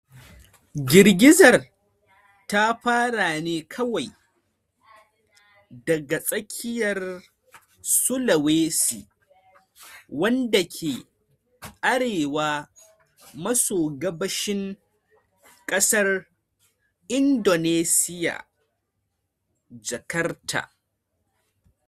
Girgizar ta fara ne kawai daga tsakiyar Sulawesi wanda ke arewa maso gabashin kasar Indonesia, Jakarta.